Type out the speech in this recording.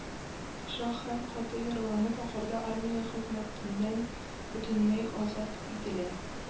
Ша һәм, каты яраланып, ахырда армия хезмәтеннән бөтенләй азат ителә